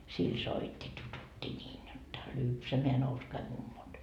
sillä soitti tututti niin jotta lypsämään nouskaa mummot